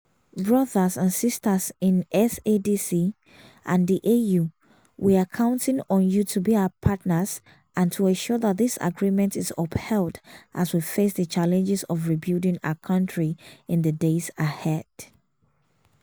Brothers and sisters in SADC and the AU, we are counting on you to be our partners and to ensure that this agreement is upheld as we face the challenges of rebuilding our country in the days ahead.